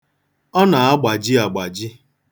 Ọ na-agbaji agbaji.